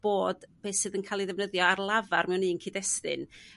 bod be sy'n ca'l ei ddefnyddio ar lafar mewn un cyd-destun